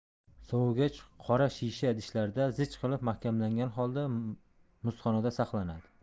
sovigach qora shisha idishlarda zich qilib mahkamlangan holda muzxonada saqlanadi